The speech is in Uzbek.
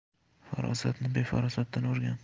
farosatni befarasotdan o'rgan